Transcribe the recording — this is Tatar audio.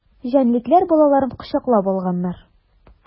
Җәнлекләр балаларын кочаклап алганнар.